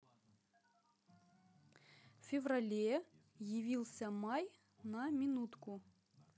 в феврале явился май на минутку